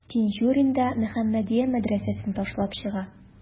Тинчурин да «Мөхәммәдия» мәдрәсәсен ташлап чыга.